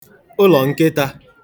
ụlọ̀nkịtā